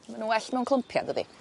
ma' n'w well mewn clwmpia yndydi?